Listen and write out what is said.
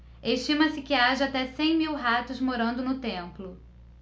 estima-se que haja até cem mil ratos morando no templo